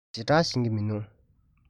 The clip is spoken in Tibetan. ཞེ དྲགས ཤེས ཀྱི མི འདུག